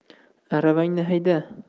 aravangni hayda